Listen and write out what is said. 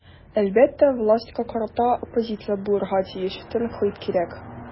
Әлбәттә, властька карата оппозиция булырга тиеш, тәнкыйть кирәк.